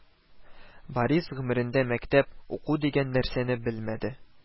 Борис гомерендә мәктәп, уку дигән нәрсәне белмәде